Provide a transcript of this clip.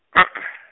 ae.